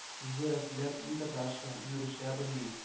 Үзе рәтләп ни татарча, ни русча белми